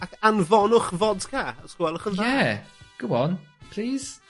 ac anfonwch fodca os gwelwch yn dd. Ie. Go on. Plîs?